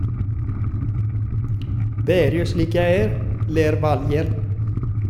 - Det er jo slik jeg er, ler Valgerd.